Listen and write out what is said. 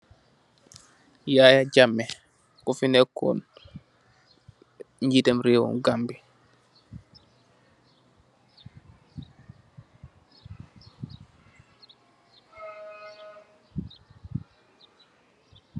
Yaya Jammeh kufi nekkon njiitum rewum Gambi.